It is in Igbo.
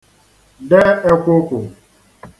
dẹ ẹkwụkwụ̀